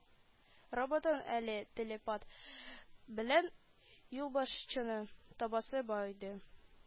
Роботын әле телепат белән юлбашчыны табасы бар иде